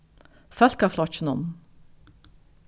fólkaflokkinum